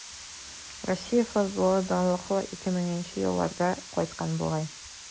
Россия футболы данлыклы 2000 нче елларга кайткан бугай.